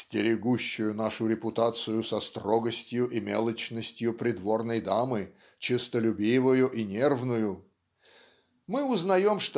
"стерегущую нашу репутацию со строгостью и мелочностью придворной дамы честолюбивую и нервную" мы узнаем